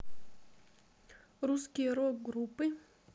русские рок группы